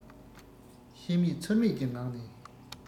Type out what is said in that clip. ཤེས མེད ཚོར མེད ཀྱི ངང ནས